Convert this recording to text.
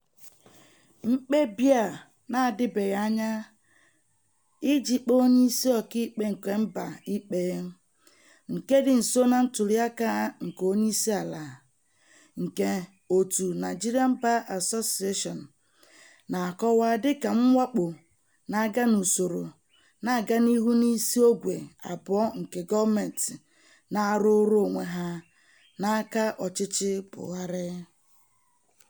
Mkpebi a na-adịbeghị anya iji kpee Onyeisi Ọkaikpe nke Mba ikpe — nke dị nso na ntụliaka nke onyeisi ala — nke òtù Nigerian Bar Association na-akọwa dịka "mwakpo na-aga n'usoro na-aga n'ihu n'isi ogwe abụọ nke gọọmentị na-arụụrụ onwe ha" n'aka ọchịchị Buhari.